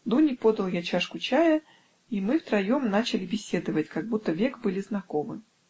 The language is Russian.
Дуне подал я чашку чаю, и мы втроем начали беседовать, как будто век были знакомы.